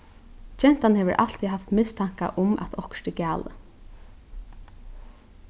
gentan hevur altíð havt mistanka um at okkurt er galið